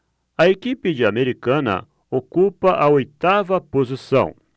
a equipe de americana ocupa a oitava posição